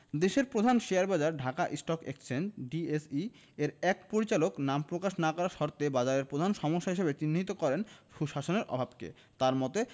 দেশের প্রধান শেয়ারবাজার ঢাকা স্টক এক্সচেঞ্জ ডিএসই এর এক পরিচালক নাম প্রকাশ না করার শর্তে বাজারের প্রধান সমস্যা হিসেবে চিহ্নিত করেন সুশাসনের অভাবকে তাঁর মতে